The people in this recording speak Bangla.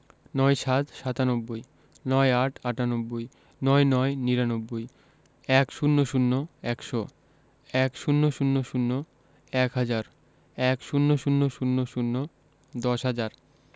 ৯৭ সাতানব্বই ৯৮ আটানব্বই ৯৯ নিরানব্বই ১০০ একশো ১০০০ এক হাজার ১০০০০ দশ হাজার